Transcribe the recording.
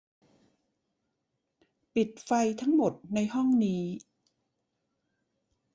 ปิดไฟทั้งหมดในห้องนี้